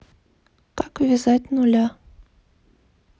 как вязать нуля